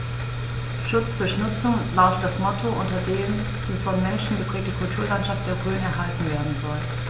„Schutz durch Nutzung“ lautet das Motto, unter dem die vom Menschen geprägte Kulturlandschaft der Rhön erhalten werden soll.